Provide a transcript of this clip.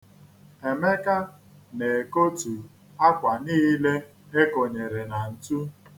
Emeka na-ekotu akwa niile e konyere na ntu.